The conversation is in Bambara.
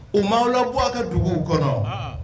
U m'aw labɔ a ka duguw kɔnɔ. Ɔn Ɔn.